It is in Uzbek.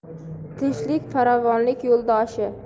tinchlik farovonlik yo'ldoshi